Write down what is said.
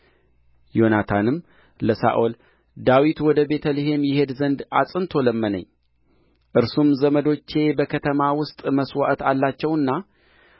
ዮናታንም ለሳኦል ዳዊት ወደ ቤተ ልሔም ይሄድ ዘንድ አጽንቶ ለመነኝ እርሱም ዘመዶቼ በከተማ ውስጥ መሥዋዕት አላቸውና